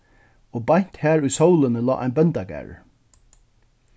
og beint har í sólini lá ein bóndagarður